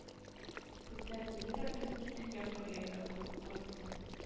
Күптән түгел оркестр көньяк кореяда булып кайтты